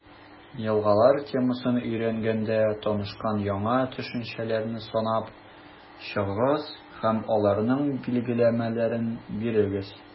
«елгалар» темасын өйрәнгәндә танышкан яңа төшенчәләрне санап чыгыгыз һәм аларның билгеләмәләрен бирегез.